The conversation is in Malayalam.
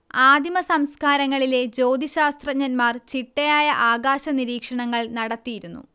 ആദിമസംസ്കാരങ്ങളിലെ ജ്യോതിശാസ്ത്രജ്ഞന്മാർ ചിട്ടയായ ആകാശനിരീക്ഷണങ്ങൾ നടത്തിയിരുന്നു